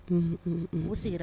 Un sigira